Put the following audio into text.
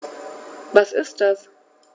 Was ist das?